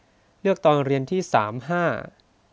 เลือกตอนเรียนที่สามห้า